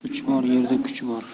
uch bor yerda kuch bor